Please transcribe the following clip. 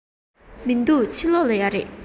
མི འདུག ཕྱི ལོགས ལ ཡོད རེད